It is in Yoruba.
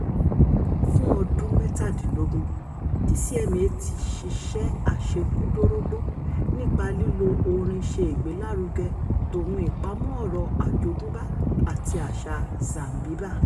Fún ọdún mẹ́tàdínlógún, DCMA ti ṣiṣẹ́ àṣekúdórógbó nípa lílo orin ṣe ìgbélárugẹ tòun ìpamọ́ ọ̀rọ̀ àjogúnbá àti àṣà Zanzibar.